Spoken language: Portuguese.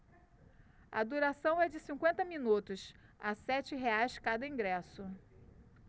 a duração é de cinquenta minutos a sete reais cada ingresso